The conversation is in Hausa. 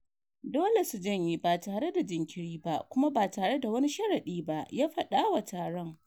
“Dole su janye ba tare da jinkiri ba kuma ba tare da wani sharaɗi ba,” ya fada wa taron.